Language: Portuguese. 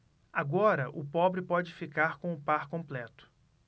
agora o pobre pode ficar com o par completo